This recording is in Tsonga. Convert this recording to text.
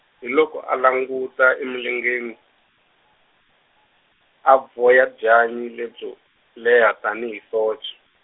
hi loko a languta emilengeni, a vhoya byanyi lebyo, leha tanihi socha.